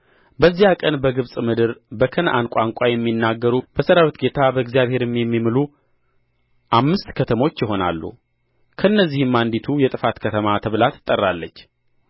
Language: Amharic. በዚያ ቀን በግብጽ ምድር በከነዓን ቋንቋ የሚናገሩ በሠራዊት ጌታ በእግዚአብሔርም የሚምሉ አምስት ከተሞች ይሆናሉ ከነዚህም አንዲቱ የጥፋት ከተማ ተብላ ትጠራለች